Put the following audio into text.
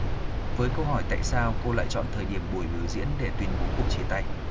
với câu hỏi tại sao cô lại chọn thời điểm buổi biểu diễn để tuyên bố cuộc chia tay